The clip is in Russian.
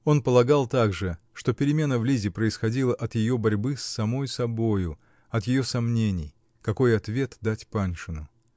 Он полагал также, что перемена в Лизе происходила от ее борьбы с самой собою, от ее сомнений: какой ответ дать Паншину?